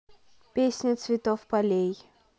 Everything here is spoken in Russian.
песня цветов полей